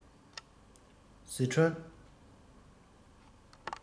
སི ཁྲོན